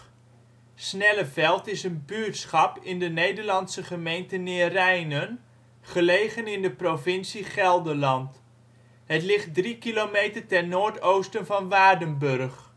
Snelleveld is een buurtschap in de Nederlandse gemeente Neerijnen, gelegen in de provincie Gelderland. Het ligt 3 kilometer ten noordoosten van Waardenburg